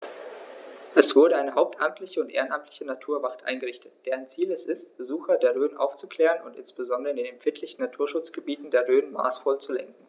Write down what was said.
Es wurde eine hauptamtliche und ehrenamtliche Naturwacht eingerichtet, deren Ziel es ist, Besucher der Rhön aufzuklären und insbesondere in den empfindlichen Naturschutzgebieten der Rhön maßvoll zu lenken.